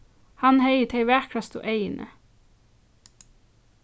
hann hevði tey vakrastu eyguni